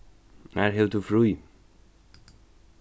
nær hevur tú frí